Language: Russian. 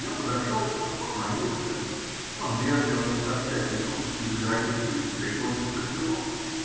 Я подошел к нему, поклонился -- он вежливо (как всякий русский за границей) приподнял котелок.